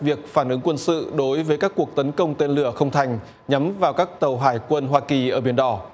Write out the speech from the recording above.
việc phản ứng quân sự đối với các cuộc tấn công tên lửa không thành nhắm vào các tàu hải quân hoa kỳ ở biển đỏ